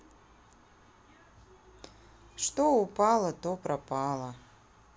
что упало то пропало